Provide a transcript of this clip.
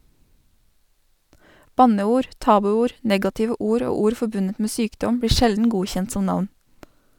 Banneord, tabuord, negative ord og ord forbundet med sykdom blir sjelden godkjent som navn.